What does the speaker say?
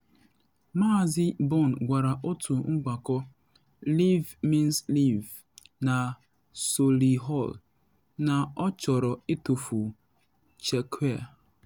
Maazị Bone gwara otu mgbakọ Leave Means Leave na Solihull na ọ chọrọ ‘itufu Chequers’.